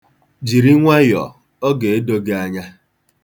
Jiri nwayọọ, ọ ga-edo gị anya.